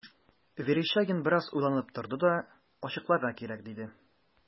Верещагин бераз уйланып торды да: – Ачыкларга кирәк,– диде.